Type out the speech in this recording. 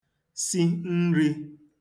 si nrī